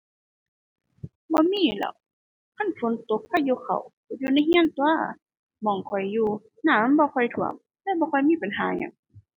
บ่มีหั้นแหล้ว มันฝนตกพายุเข้า อยู่ในเรือนตั่ว หม้องข้อยอยู่น้ำมันบ่ค่อยท่วม เลยบ่ค่อยมีปัญหาอิหยัง